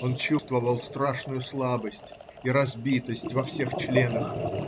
Он чувствовал страшную слабость и разбитость во всех членах